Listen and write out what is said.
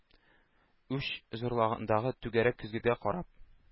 Уч зурлыгындагы түгәрәк көзгегә карап